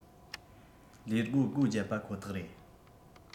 ལས སྒོ སྒོ བརྒྱབ པ ཁོ ཐག རེད